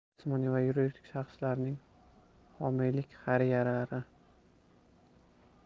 jismoniy va yuridik shaxslarning homiylik xayriyalari